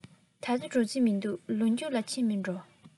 ད ལྟ འགྲོ རྩིས མི འདུག ལོ མཇུག ལ ཕྱིན མིན འགྲོ